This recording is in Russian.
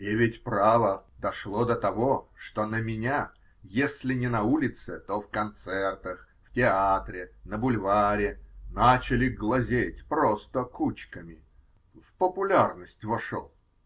И ведь, право, дошло до того, что на меня, если не на улице, то в концертах, в театре, на бульваре, начали глазеть просто кучками. В популярность вошел.